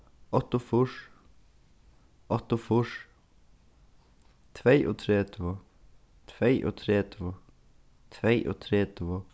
áttaogfýrs áttaogfýrs tveyogtretivu tveyogtretivu tveyogtretivu